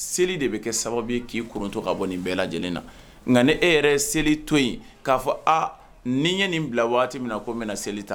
Seli de be kɛ sababu ki korontɔ ka bɔ nin bɛɛ lajɛlen na . Nka ni e yɛrɛ ye seli to yen ka fɔ aa ni ye nin bila waati min na ko n be na seli